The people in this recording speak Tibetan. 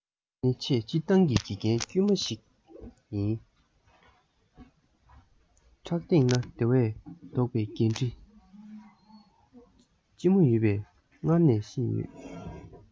ང ནི ཆེས སྤྱིར བཏང གི དགེ རྒན དཀྱུས མ ཞིག ཡིན ཕྲག སྟེང ན དེ ལས ལྡོག པའི འགན འཁྲི ལྕི མོ ཡོད པ སྔར ནས ཤེས ཡོད